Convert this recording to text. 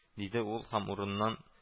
— диде ул һәм урыннан